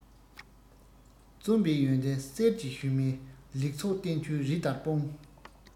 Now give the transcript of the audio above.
རྩོམ པས ཡོན ཏན གསེར གྱི ཞུན མའི ལེགས ཚོགས བསྟན བཅོས རི ལྟར སྤུངས